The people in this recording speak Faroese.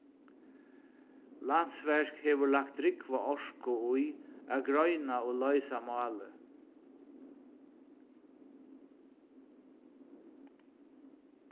landsverk hevur lagt drúgva orku í at greina og loysa málið